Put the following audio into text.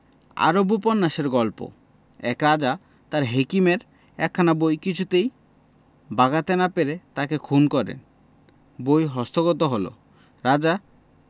আরব্যোপন্যাসের গল্প এক রাজা তাঁর হেকিমের একখানা বই কিছুতেই বাগাতে না পেরে তাঁকে খুন করেন বই হস্তগত হল রাজা